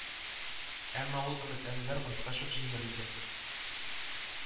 Әмма ул өметләнүләр кайткач ук җимерелде